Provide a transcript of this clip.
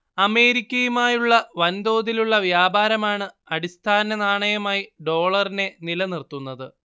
അമേരിക്കയുമായുള്ള വൻതോതിലുള്ള വ്യാപാരമാണ് അടിസ്ഥാന നാണയമായി ഡോളറിനെ നിലനിർത്തുന്നത്